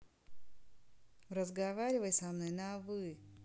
разговаривай со мной на вы